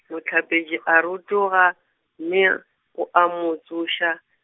mohlapetši a rotoga, mme a, o a mo tsoša.